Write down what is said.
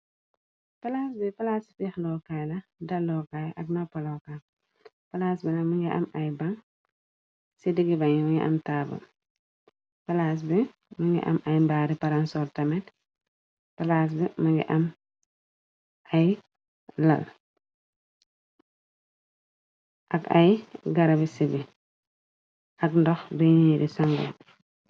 palaas bi palaasfix lookaay na da lookaay ak noopalooka palaas bi na mi ngi am ay baŋ ci diggi-bañ ngi am taaba palaas bi mu ngi am ay mbaari paransol tamet ak ay garabi ci bi ak ndox bi niiri sango